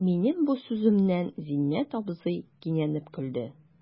Минем бу сүземнән Зиннәт абзый кинәнеп көлде.